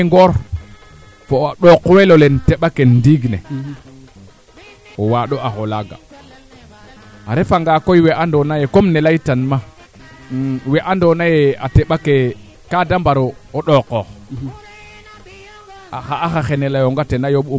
roogo roog waag kaa ñak ka jeg nee ando naye neen bug tano teen kaaga aussi a jega teen iyo roog koy a dimle angan bo a teɓake yoon duufe laaga bata daaw o joobin podnu roog fee limatna rek xana faax parce que mene im leyanga ley